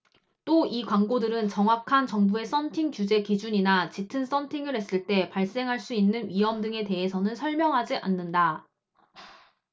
또 이 광고들은 정확한 정부의 선팅 규제 기준이나 짙은 선팅을 했을 때 발생할 수 있는 위험 등에 대해서는 설명하지 않는다